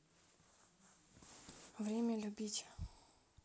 время любить